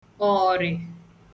ọ̀rị̀